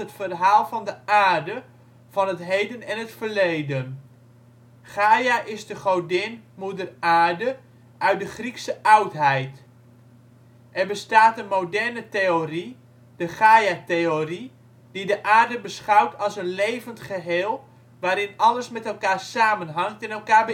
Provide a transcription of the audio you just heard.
verhaal van de aarde, van het heden en het verleden. Gaia is de Godin " Moeder Aarde " uit de Griekse oudheid. Er bestaat een moderne theorie (de Gaia-theorie) die de aarde beschouwt als een levend geheel waarin alles met elkaar samenhangt en elkaar